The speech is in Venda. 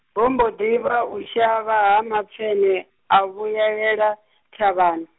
ho mbo ḓi vha u shavha ha mapfeṋe, a vhuelela, thavhani.